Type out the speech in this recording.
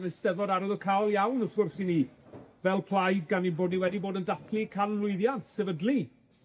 yn Eisteddfod arwyddocaol iawn, wrth gwrs i ni, fel plaid gan ein bod ni wedi bod yn dathlu canmlwyddiant, sefydlu